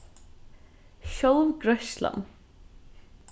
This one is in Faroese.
sjálvgreiðslan